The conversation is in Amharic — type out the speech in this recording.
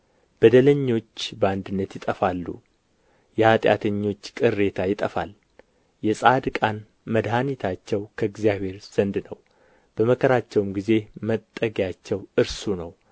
በደለኞች በአንድነት ይጠፋሉ የኃጢአተኞች ቅሬታ ይጠፋል የጻድቃን መድኃኒታቸው ከእግዚአብሔር ዘንድ ነው በመከራቸውም ጊዜ መጠጊያቸው እርሱ ነው